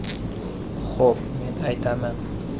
xo'p men aytamen